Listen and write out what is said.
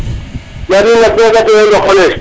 ga mi bo fadona no qoles